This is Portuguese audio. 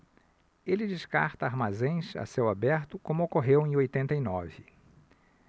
ele descarta armazéns a céu aberto como ocorreu em oitenta e nove